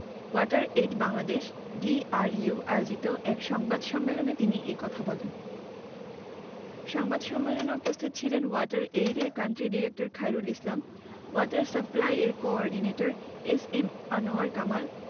water aid Bangladesh DRU আয়োজিত এক সংবাদ সম্মেলন তিনি এ কথা বলেন সংবাদ সম্মেলনে উপস্থিত ছিলেন ওয়াটার এইডের country director Khairul Islam water সাপ্লাইর coordinator S M Anwar Kamal